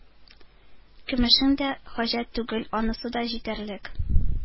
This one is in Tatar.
Көмешең дә хаҗәт түгел — анысы да җитәрлек.